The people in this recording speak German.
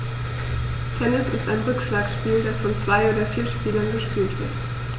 Tennis ist ein Rückschlagspiel, das von zwei oder vier Spielern gespielt wird.